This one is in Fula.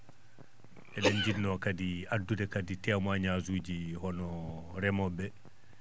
eɗen jiɗnoo kadi addude témoignage ji hono remooɓe ɓee